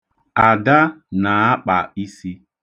Ada na-akpa isi.